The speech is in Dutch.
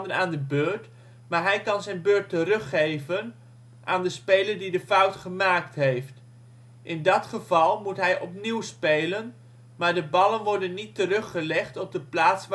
aan de beurt, maar hij kan zijn beurt teruggeven aan de speler die de fout gemaakt heeft. In dat geval moet hij ' opnieuw ' spelen, maar de ballen worden niet teruggelegd op de plaats